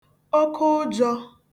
okeụjọ̄